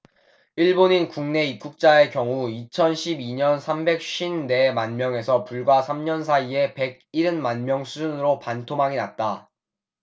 일본인 국내 입국자의 경우 이천 십 이 년 삼백 쉰 네 만명에서 불과 삼 년 사이에 백 일흔 만명 수준으로 반토막이 났다